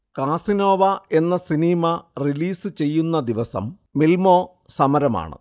Casanova എന്ന സിനിമ release ചെയ്യുന്ന ദിവസം മില്മാേ സമരമാണ്